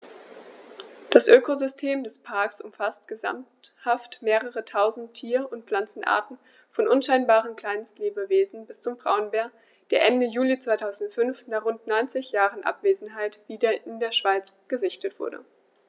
Das Ökosystem des Parks umfasst gesamthaft mehrere tausend Tier- und Pflanzenarten, von unscheinbaren Kleinstlebewesen bis zum Braunbär, der Ende Juli 2005, nach rund 90 Jahren Abwesenheit, wieder in der Schweiz gesichtet wurde.